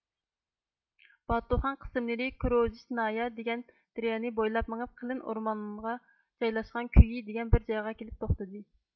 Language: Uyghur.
باتۇخان قىسىملىرى كوروژىچنايا دېگەن دەريانى بويلاپ مېڭىپ قېلىن ئورمانغا جايلاشقان كويى دېگەن بىر جايغا كېلىپ توختىدى